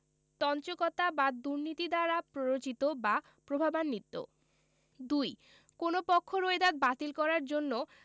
তঞ্চকতা বা দুর্নীতি দ্বারা প্ররোচিত বা প্রভাবান্নিত ২ কোন পক্ষ রোয়েদাদ বাতিল করার জন্য